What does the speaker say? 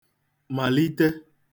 màlite